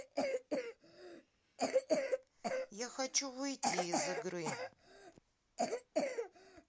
да я хочу выйти из игры